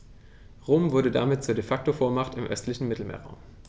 Rom wurde damit zur ‚De-Facto-Vormacht‘ im östlichen Mittelmeerraum.